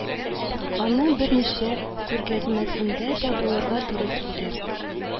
Аның берничә күргәзмәсендә дә булырга туры килде